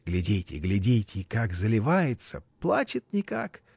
— Глядите, глядите, как заливается, плачет никак?